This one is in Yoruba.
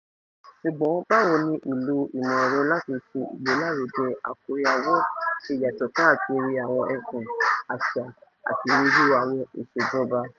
Ṣùgbọ́n báwo ni ìlò ìmọ̀-ẹ̀rọ láti ṣe ìgbélárugẹ àkóyawọ́ ṣe yàtọ̀ káàkiri àwọn ẹkùn, àṣà, àti irú àwọn ìṣèjọba?